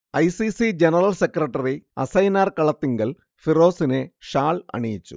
I. C. C general secretary Asainar Kalathingal ഫിറോസിനെ shawl അണിയിച്ചു